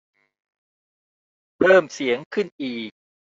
เพิ่มเสียงขึ้นอีก